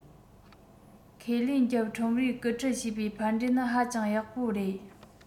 ཁས ལེན རྒྱབ ཁྲོམ རའི སྐུལ ཁྲིད བྱེད པའི ཕན འབྲས ནི ཧ ཅང ཡག པོ རེད